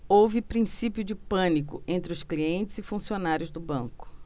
houve princípio de pânico entre os clientes e funcionários do banco